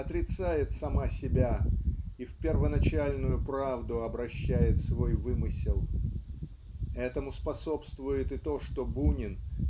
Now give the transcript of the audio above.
отрицает сама себя и в первоначальную правду обращает свой вымысел. Этому способствует и то что Бунин